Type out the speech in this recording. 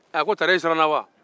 a ko tari e siranna wa